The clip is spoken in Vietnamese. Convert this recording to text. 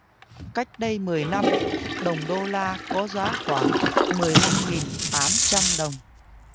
cách đây mười năm đồng đô la có giá khoảng mười lăm nghìn tám trăm đồng